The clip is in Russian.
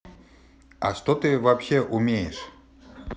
а что ты вообще умеешь